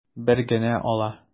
Бер генә ала.